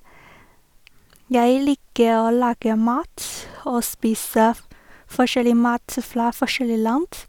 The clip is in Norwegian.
Jeg liker å lage mat og spise f forskjellig mat fra forskjellig land.